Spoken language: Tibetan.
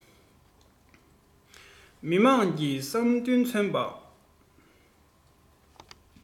མི དམངས ཀྱི བསམ འདུན མཚོན པ